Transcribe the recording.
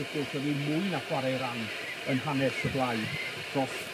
###wrth gwrs, wedi mwy na chwarae'i ran yn hanes y blaid dros